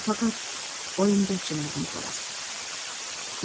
faqat oyimga achinardim xolos